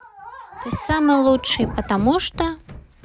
ты самый лучший потому что